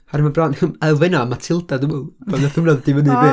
Oherwydd ma' bron, elfennau o 'Matilda' dwi meddwl, pan wnaeth hwnna ddod i fyny, ynde?